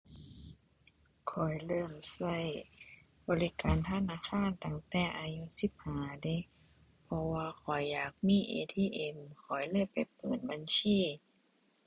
ข้อยเริ่มใช้บริการธนาคารตั้งแต่อายุสิบห้าเดะ เพราะว่าข้อยอยากมี ATM ข้อยเลยไปเปิดบัญชี